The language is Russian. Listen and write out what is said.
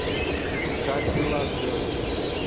как дела джой